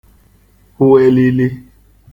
kwụ elili